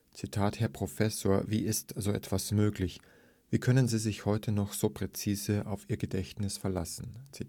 ‚ Herr Professor, wie ist so etwas möglich? Wie können Sie sich heute noch so präzise auf Ihr Gedächtnis verlassen? ‘